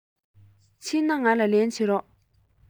ཕྱིན ན ང ལ ལན བྱིན རོགས